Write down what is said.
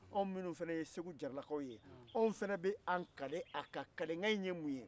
anwminnu fɛnɛ ye segu jaralakaw ye anw fenɛ b'an kale a kan kalekan in ye munn ye